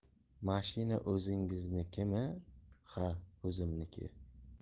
mashina o'zingiznikimi ha o'zimniki